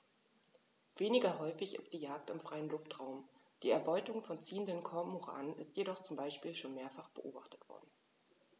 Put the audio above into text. Weniger häufig ist die Jagd im freien Luftraum; die Erbeutung von ziehenden Kormoranen ist jedoch zum Beispiel schon mehrfach beobachtet worden.